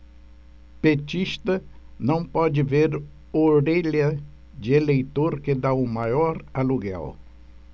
petista não pode ver orelha de eleitor que tá o maior aluguel